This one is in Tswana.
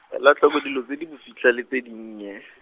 ela tlhoko dilo tse di bofitlha le tse dinnye.